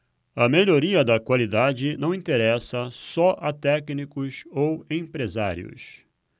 a melhoria da qualidade não interessa só a técnicos ou empresários